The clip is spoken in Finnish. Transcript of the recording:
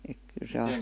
että kyllä se aina